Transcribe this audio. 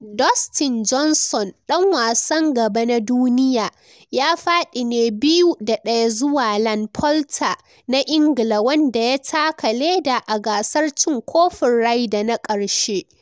Dustin Johnson, dan wasan gaba na duniya, ya fadi ne 2 da 1 zuwa Ian Poulter na Ingila wanda ya taka leda a gasar cin kofin Ryder na karshe.